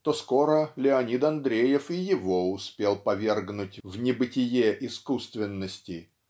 то скоро Леонид Андреев и его успел повергнуть в небытие искусственности